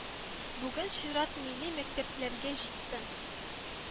Бүген чират милли мәктәпләргә җитте